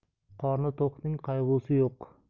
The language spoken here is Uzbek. qorni to'qning qayg'usi yo'q